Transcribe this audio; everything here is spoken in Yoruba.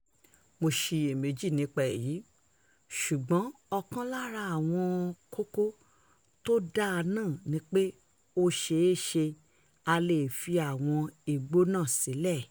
Mò ṣeyèméjì nípa èyí, ṣùgbọ́n ọ̀kan lára àwọn kókó to dáa náà ni pé ó ṣe ò ṣe a lè fi àwọn igbó náà sílẹ̀.